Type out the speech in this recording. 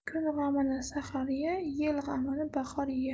kun g'amini sahar ye yil g'amini bahor ye